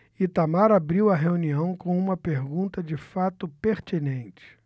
itamar abriu a reunião com uma pergunta de fato pertinente